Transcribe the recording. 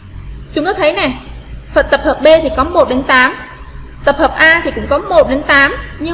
tập hợp b thì có đến tập hợp a thì cũng có